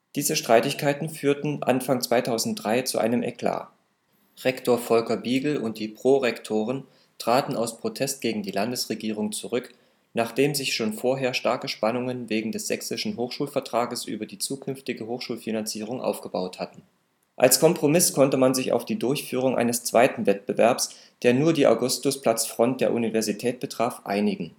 Diese Streitigkeiten führten Anfang 2003 zu einem Eklat: Rektor Volker Bigl und die Prorektoren traten aus Protest gegen die Landesregierung zurück, nachdem sich schon vorher starke Spannungen wegen des sächsischen Hochschulvertrages über die zukünftige Hochschulfinanzierung aufgebaut hatten. Als Kompromiss konnte man sich auf die Durchführung eines zweiten Wettbewerbs, der nur die Augustusplatzfront der Universität betraf, einigen